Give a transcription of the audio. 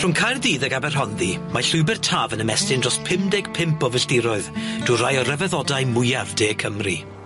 Rhwng Caerdydd ag Aberhonddu, mae llwybyr Taf yn ymestyn dros pum deg pump o filltiroedd drw rai o ryfeddodau mwyaf De Cymru.